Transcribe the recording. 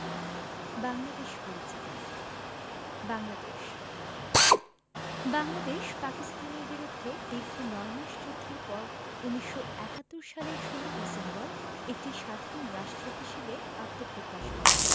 বাংলাদেশ পরিচিতি বাংলাদেশ বাংলাদেশ পাকিস্তানের বিরুদ্ধে দীর্ঘ নয় মাস যুদ্ধের পর ১৯৭১ সালের ১৬ ডিসেম্বর একটি স্বাধীন রাষ্ট্র হিসেবে আত্মপ্রকাশ করে